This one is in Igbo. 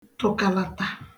tụkalata